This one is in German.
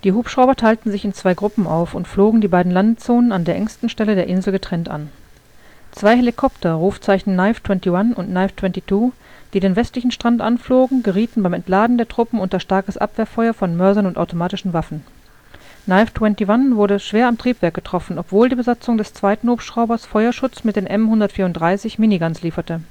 Hubschrauber teilten sich in zwei Gruppen auf und flogen die beiden Landezonen an der engsten Stelle der Insel getrennt an. Zwei Helikopter, Rufzeichen „ Knife 21 “und „ Knife 22 “, die den westlichen Strand anflogen, gerieten beim Entladen der Truppen unter starkes Abwehrfeuer von Mörsern und automatischen Waffen. „ Knife 21 “wurde schwer am Triebwerk getroffen, obwohl die Besatzung des zweiten Hubschraubers Feuerschutz mit den M134-Miniguns lieferte